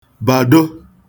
bàdo